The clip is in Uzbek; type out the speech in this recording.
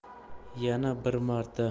yana bir marta